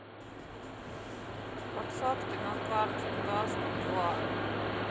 подсадки на карте даст два